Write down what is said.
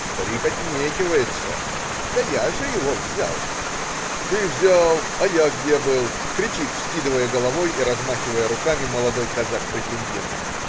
Старик отнекивается: - "Да я же его взял!" - "Ты взял, а я где был?!" - кричит, вскидывая головой и размахивая руками, молодой казак-претендент.